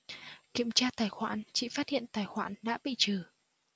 kiểm tra tài khoản chị phát hiện tài khoản đã bị trừ